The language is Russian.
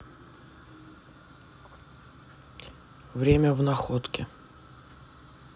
время в находке